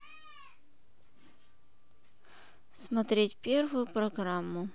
смотреть первую программу